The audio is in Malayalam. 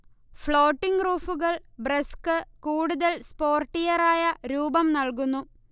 ഫ്ളോട്ടിങ് റൂഫുകൾ ബ്രെസ്ക്ക് കൂടുതൽ സ്പോർട്ടിയറായ രൂപം നൽകുന്നു